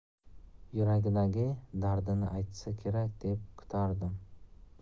yuragidagi dardini aytsa kerak deb kutardim